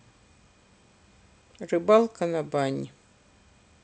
рыбалка на бани